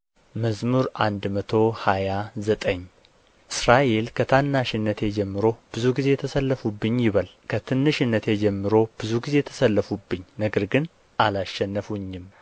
መዝሙር መቶ ሃያ ዘጠኝ እስራኤል ከትንሽነቴ ጀምሮ ብዙ ጊዜ ተሰለፉብኝ ይበል ከትንሽነቴ ጀምሮ ብዙ ጊዜ ተሰለፉብኝ ነገር ግን አላሸነፉኝም